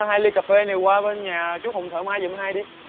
hai ly cà phê này qua bên nhà chú hùng thợ may dùm anh hai đi